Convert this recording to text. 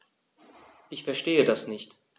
Ich verstehe das nicht.